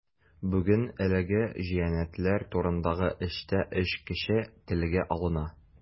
Бүген әлеге җинаятьләр турындагы эштә өч кеше телгә алына.